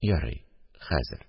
Ярый, хәзер